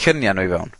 ...llunia' nw i fewn.